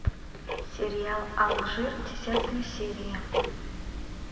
сериал алжир десятая серия